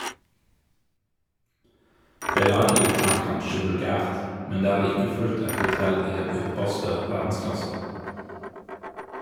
Bellagio er kanskje vulgært, men det er like fullt et hotell i den ypperste verdensklasse.